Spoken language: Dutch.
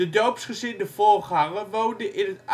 doopsgezinde voorganger woonde in